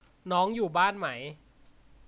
น้องอยู่บ้านไหม